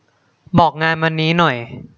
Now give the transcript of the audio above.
บอกงานวันนี้หน่อย